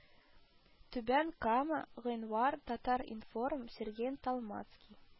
(түбән кама, гыйнвар, «татар-информ», сергей толмацкий